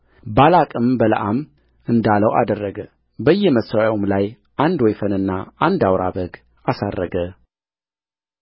ባላቅም በለዓም እንዳለው አደረገ በየመሠዊያውም ላይ አንድ ወይፈንና አንድ አውራ በግ አሳረገ